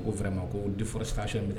A ko ma ko di fɔrasa